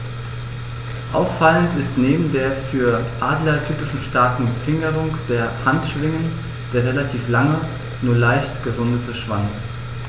Auffallend ist neben der für Adler typischen starken Fingerung der Handschwingen der relativ lange, nur leicht gerundete Schwanz.